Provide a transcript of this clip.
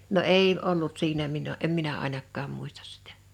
no ei ollut siinä minä en minä ainakaan muista sitä